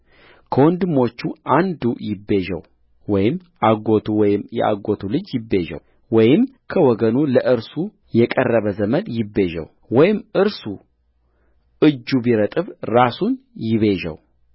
ከወንድሞቹ አንዱ ይቤዠውወይም አጎቱ ወይም የአጎቱ ልጅ ይቤዠው ወይም ከወገኑ ለእርሱ የቀረበ ዘመድ ይቤዠው ወይም እርሱ እጁ ቢረጥብ ራሱን ይቤዠው